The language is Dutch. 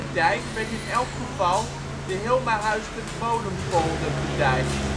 dijk werd in elk geval de Hilmahuistermolenpolder bedijkt